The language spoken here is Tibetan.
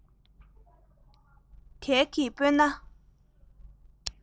དལ གྱིས སྤོས ན